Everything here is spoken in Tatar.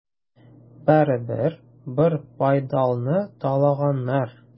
Барыбер, бер байталны талаганнар.